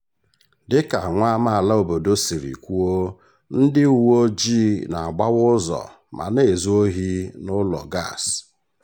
Dị ka nwa amaala obodo siri kwuo, ndị uwe ojii na-agbawa ụzọ ma na-ezu ohi n'ụlọ gasi.